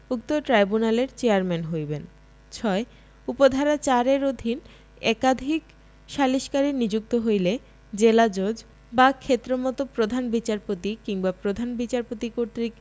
উক্ত ট্রাইব্যুনালের চেয়ারম্যান হইবেন ৬ উপ ধারা ৪ এর অধীন একাধিক সালিসকারী নিযুক্ত হইলে জেলাজজ বা ক্ষেত্রমত প্রধান বিচারপত কিংবা প্রধান বিচারপতি কর্তৃক